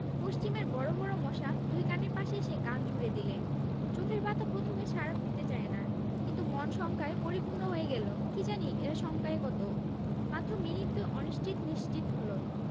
পশ্চিমের বড় বড় মশা দুই কানের পাশে এসে গান জুড়ে দিলে চোখের পাতা প্রথমে সাড়া দিতে চায় না কিন্তু মন শঙ্কায় পরিপূর্ণ হয়ে গেল কি জানি এরা সংখ্যায় কত মাত্র মিনিট দুই অনিশ্চিত নিশ্চিত হলো